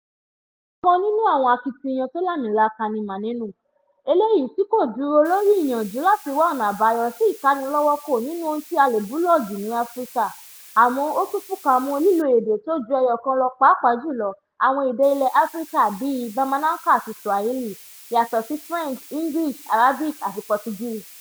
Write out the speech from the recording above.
Ọ̀kan nínú àwọn akitiyan tó làmìlaka ní Maneno, eléyìí tí kò dúró lóri ìyànjú láti wa ọ̀nà àbáyọ sí ìkánilọ́wọ́kò nínú ohun tí a lè búlọ̀ọ̀gù ní Áfíríkà, àmọ́ ó tún fúnka mọ́ lílo èdè tó ju ẹyọ̀kan lọ pàápàá jùlọ àwọn èdè ilẹ̀ Áfíríkà bíi Bamanankan àti Swahili, yàtọ̀ sí French, English, Arabic àti Portuguese.